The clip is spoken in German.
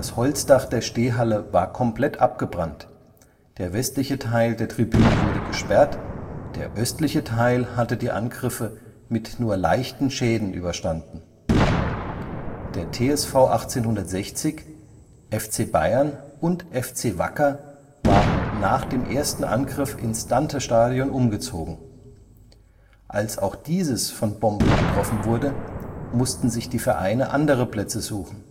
Holzdach der Stehhalle war komplett abgebrannt, der westliche Teil der Tribüne wurde gesperrt, der östliche Teil hatte die Angriffe mit nur leichten Schäden überstanden. Der TSV 1860, FC Bayern und FC Wacker waren nach dem ersten Angriff ins Dantestadion umgezogen. Als auch dieses von Bomben getroffen wurde, mussten sich die Vereine andere Plätze suchen